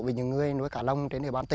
những người nuôi cá lồng trên địa bàn